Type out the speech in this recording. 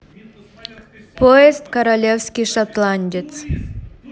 поезд королевский шотландец